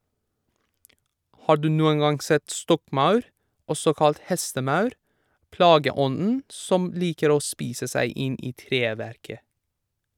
Har du noen gang sett stokkmaur, også kalt hestemaur, plageånden som liker å spise seg inn i treverket?